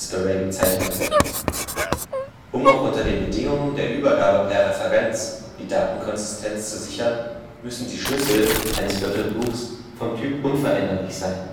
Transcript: Array bezeichnet wird. Um auch unter den Bedingungen der Übergabe per Referenz die Datenkonsistenz zu sichern, müssen die Schlüssel eines Wörterbuches vom Typ „ unveränderlich “sein